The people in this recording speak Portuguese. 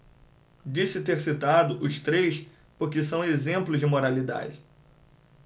disse ter citado os três porque são exemplos de moralidade